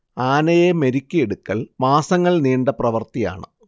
ആനയെ മെരുക്കിയെടുക്കൽ മാസങ്ങൾ നീണ്ട പ്രവൃത്തിയാണ്